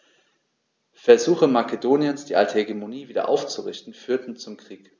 Versuche Makedoniens, die alte Hegemonie wieder aufzurichten, führten zum Krieg.